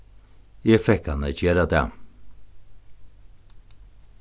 eg fekk hann at gera tað